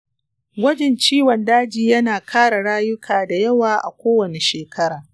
gwajin ciwon daji ya na kare rayuka da yawa a kowace shekara.